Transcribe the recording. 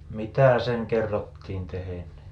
mitä sen kerrottiin tehneen